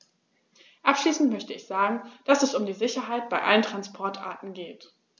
Abschließend möchte ich sagen, dass es um die Sicherheit bei allen Transportarten geht.